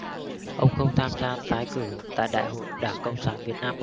ông không tham gia tái cử tại đại hội đảng cộng sản việt nam